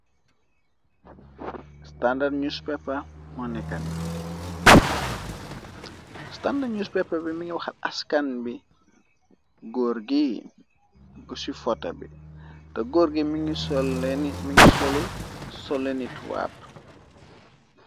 Standard newspaper bi mingi waxal askan bi. Goór gi gu ci fota bi te gór gi mi ngi solu sole nit waap.